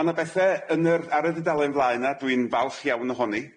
Ma' 'na bethe yn yr ar y dudalen flaen 'na dwi'n falch iawn ohoni,